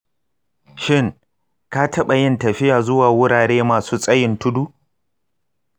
shin ka taɓa yin tafiya zuwa wurare masu tsayin tudu?